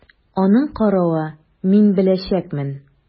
Аның каравы, мин беләчәкмен!